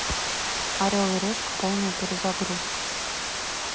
орел и решка полная перезагрузка